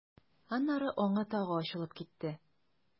Аннары аңы тагы ачылып китте.